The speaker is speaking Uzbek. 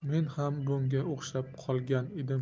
men ham bunga o'xshab qolgan edim